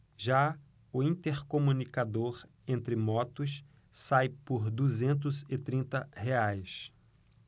já o intercomunicador entre motos sai por duzentos e trinta reais